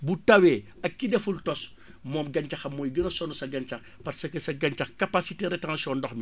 bu tawee ak ki deful tos moom gàncaxam mooy gën a sonn sa gàncax parce que sa gàncax capacité rétention ndox mi